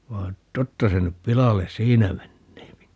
vaan totta se nyt pilalle siinä menee